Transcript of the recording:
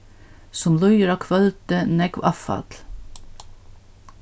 sum líður á kvøldið nógv avfall